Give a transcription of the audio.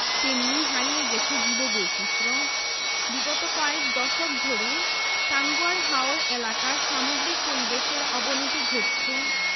তেমনি হারিয়ে গেছে জীববৈচিত্র্য বিগত কয়েক দশক ধরে টাঙ্গুয়ার হাওর এলাকার সামগ্রিক পরিবেশের অবনতি ঘটছে